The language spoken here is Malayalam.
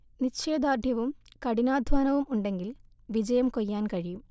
നിശ്ചയ ദാർഢ്യവും കഠിനാധ്വാനവും ഉണ്ടെങ്കിൽ വിജയം കൊയ്യാൻ കഴിയും